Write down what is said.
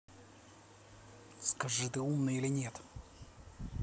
скажи ты умный или нет